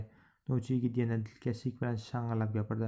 novcha yigit yana dilkashlik bilan shang'illab gapirdi